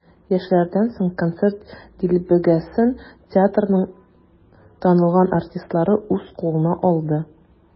Яшьләрдән соң концерт дилбегәсен театрның танылган артистлары үз кулына алды.